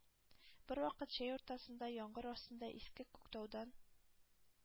Бервакыт җәй уртасында, яңгыр астында Иске Күктаудан